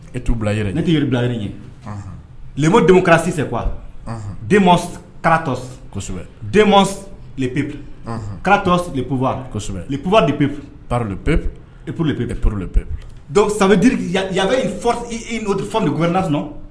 E t'u bila i ne tɛeri bila yɛrɛ ye bmodenw kɛrasise qu karatatɔ kosɛbɛ lepp karata lipbasɛbɛ kosɛbɛ lipba de pep pep e ppurpe kɛ t de pe sabuo fa de wɛrɛna sɔn